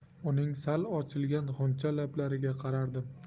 uning sal ochilgan g'uncha lablariga qarardim